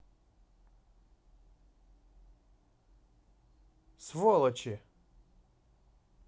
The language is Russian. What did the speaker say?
сволочи